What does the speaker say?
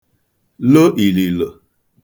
lo ìlìlò